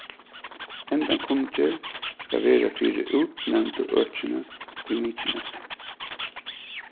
henda kunngerð skal vera fyri útnevndu økini í mykinesi